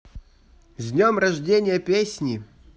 с днем рождения песни